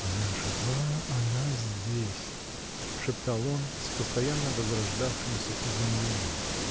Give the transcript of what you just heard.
"Она жива, она здесь", -- шептал он с постоянно возрождавшимся изумлением.